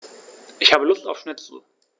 Ich habe Lust auf Schnitzel.